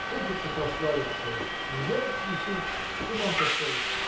хочется прославиться, взять и тут, – с ума сошел!